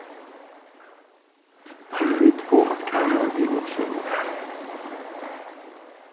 kunnu vit fáa eitt kamar við útsýni